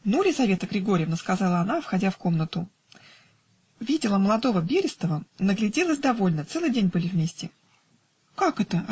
-- Ну, Лизавета Григорьевна, -- сказала она, входя в комнату, -- видела молодого Берестова: нагляделась довольно целый день были вместе. -- Как это?